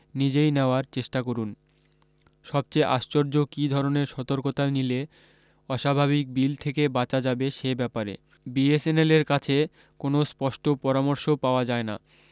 নিজই নেওয়ার চেষ্টা করুণ সবচেয়ে আশ্চর্য কী ধরণের সতর্কতা নিলে অস্বাভাবিক বিল থেকে বাঁচা যাবে সে ব্যাপারে বিএসেনেলের কাছে কোনও স্পষ্ট পরামর্শও পাওয়া যায় না